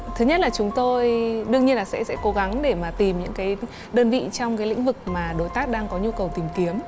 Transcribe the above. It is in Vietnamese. thứ nhất là chúng tôi đương nhiên là sẽ sẽ cố gắng để mà tìm những cái đơn vị trong lĩnh vực mà đối tác đang có nhu cầu tìm kiếm